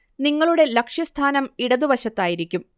നിങ്ങളുടെ ലക്ഷ്യസ്ഥാനം ഇടതുവശത്തായിരിക്കും